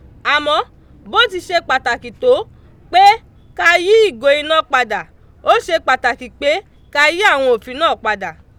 Àmọ́, bó ti ṣe pàtàkì tó pé ka yí ìgo iná padà, ó ṣe pàtàkì pé ka yí àwọn òfin náà pa dà.